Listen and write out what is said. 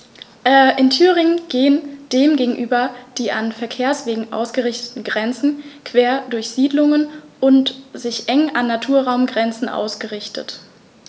In Thüringen gehen dem gegenüber die an Verkehrswegen ausgerichteten Grenzen quer durch Siedlungen und sind eng an Naturraumgrenzen ausgerichtet.